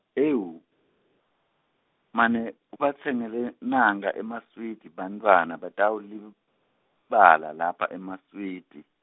ewu, mane, ubatsengele, nankha emaswidi bantfwana batawulib- bala lapha emaswidi.